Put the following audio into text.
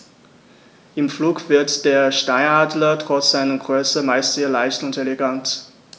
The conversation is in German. Im Flug wirkt der Steinadler trotz seiner Größe meist sehr leicht und elegant.